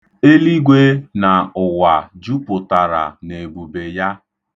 Eligwe na ụwa jupụtara n'ebube ya.